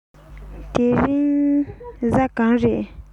དེ རིང གཟའ གང རས